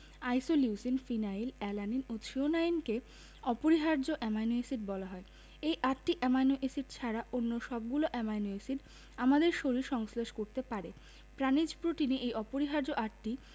isoleucine phenyl alanine ও থ্রিওনাইনকে অপরিহার্য অ্যামাইনো এসিড বলা হয় এই আটটি অ্যামাইনো এসিড ছাড়া অন্য সবগুলো অ্যামাইনো এসিড আমাদের শরীর সংশ্লেষ করতে পারে প্রাণিজ প্রোটিনে এই অপরিহার্য আটটি